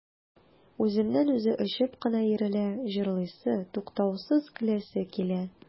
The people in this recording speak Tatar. Үзеннән-үзе очып кына йөрелә, җырлыйсы, туктаусыз көләсе килә.